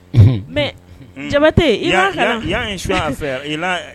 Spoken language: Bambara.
Mɛ jama tɛ